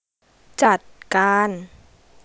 จัดการ